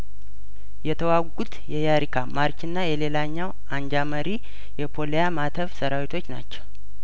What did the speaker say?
የተዋጉት የያሪካ ማርችና የሌላኛው አንጃ መሪ የፓ ሊያማተብ ሰራዊቶች ናቸው